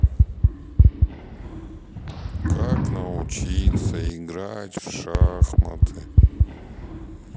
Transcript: как научиться играть в шахматы